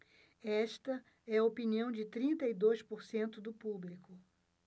esta é a opinião de trinta e dois por cento do público